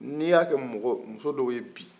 n'i y'a kɛ muso dɔ ye bi